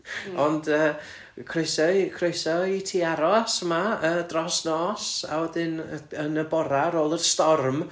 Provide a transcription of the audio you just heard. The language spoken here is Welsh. ond yy croeso i croeso i ti aros 'ma yy dros nos a wedyn y- yn y bora ar ôl y storm